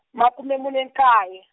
makume mune nkaye.